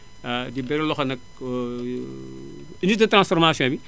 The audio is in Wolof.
di beral loxo nag unité de transformation bi